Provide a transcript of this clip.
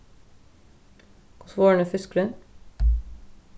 hvussu vorðin er fiskurin